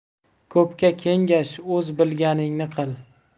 ko'pga kengash o'z bilganingni qil